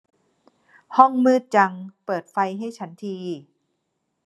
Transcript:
ห้องมืดจังเปิดไฟให้ฉันที